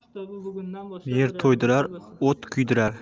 yer to'ydirar o't kuydirar